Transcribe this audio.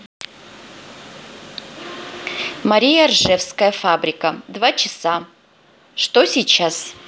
мария ржевская фабрика два что сейчас